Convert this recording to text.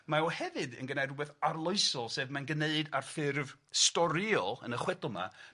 Mae o hefyd yn gneud rwbeth arloesol, sef mae'n gneud a'r ffurf storiol yn y chwedl 'ma